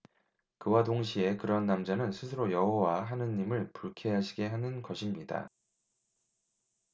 그와 동시에 그러한 남자는 스스로 여호와 하느님을 불쾌하시게 하는 것입니다